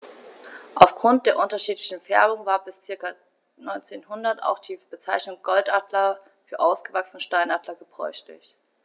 Auf Grund der unterschiedlichen Färbung war bis ca. 1900 auch die Bezeichnung Goldadler für ausgewachsene Steinadler gebräuchlich.